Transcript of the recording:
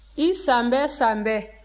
i san bɛɛ san bɛɛ